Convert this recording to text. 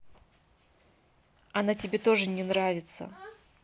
она тебе тоже не нравится